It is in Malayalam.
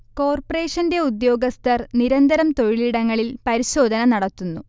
കോർപറേഷന്റെ ഉദ്യോഗസ്ഥർ നിരന്തരം തൊഴിലിടങ്ങളിൽ പരിശോധന നടത്തുന്നു